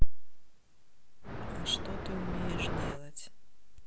а что ты умеешь делать